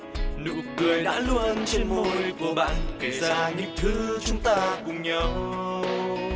nụ cười đã luôn trên môi của bạn kể ra những thứ chúng ta cùng nhau